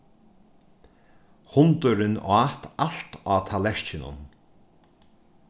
hundurin át alt á tallerkinum